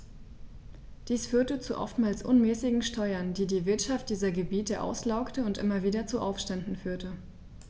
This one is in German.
Dies führte zu oftmals unmäßigen Steuern, die die Wirtschaft dieser Gebiete auslaugte und immer wieder zu Aufständen führte.